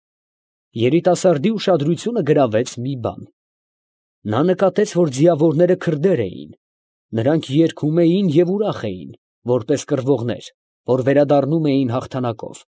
Երիտասարդի ուշադրությունը գրավեց մի բան. նա նկատեց, որ ձիավորները քրդեր էին, նրանք երգում էին և ուրախ էին, որպես կռվողներ, որ վերադառնում էին հաղթանակով։